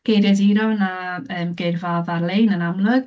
Geiriaduron a, yym, geirfaoedd ar-lein yn amlwg.